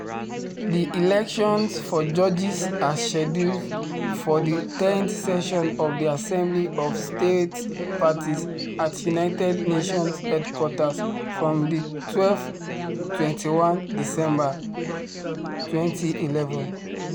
The elections for judges are scheduled for the tenth session of the Assembly of States Parties at United Nations Headquarters from the 12-21 December, 2011.